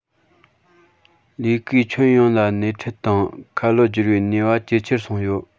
ལས ཀའི ཁྱོན ཡོངས ལ སྣེ ཁྲིད དང ཁ ལོ སྒྱུར བའི ནུས པ ཇེ ཆེར སོང ཡོད